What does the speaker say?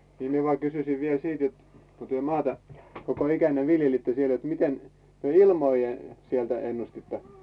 niin minä vain kysyisin vielä sitten jotta kun te maata koko ikänne viljelitte siellä jotta miten te ilmoja sieltä ennustitte